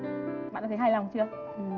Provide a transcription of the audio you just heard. bạn có thấy hài lòng chưa